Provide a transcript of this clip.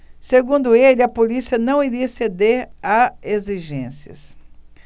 segundo ele a polícia não iria ceder a exigências